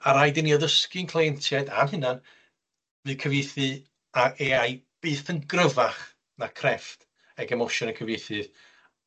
A rhaid i ni addysgu'n cleientiaid a'n hunan ne' cyfieithu â Ay I byth yn gryfach na creff ag emosiwn y cyfieithydd,